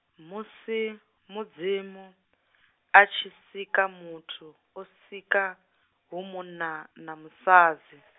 musi, Mudzimu, atshi sika muthu, o sika, hu munna, na musadzi.